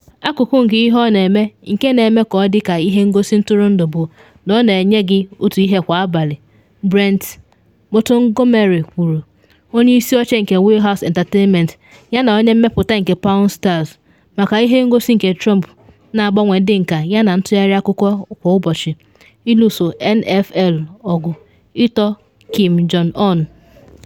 “Akụkụ nke ihe ọ na eme nke na eme ka ọ dị ka ihe ngosi ntụrụndụ bụ na ọ na enye gị otu ihe kwa abalị,” Brent Montgomery kwuru, onye isi oche nke Wheelhouse Entertainment yana onye mmepụta nke “Pawn Stars”, maka ihe ngosi nke Trump na agbanwe ndị nka yana ntụgharị akụkọ kwa ụbọchị (iluso N.F.L. ọgụ, ito Kim Jong-un).